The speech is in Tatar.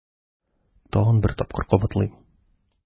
Тагын бер тапкыр кабатлыйм: